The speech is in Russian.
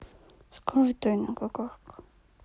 скажи тайная какашка